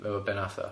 Efo be' nath o?